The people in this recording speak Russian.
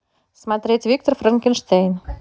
смотреть виктор франкенштейн